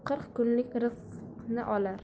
qirq kunlik rizqni olar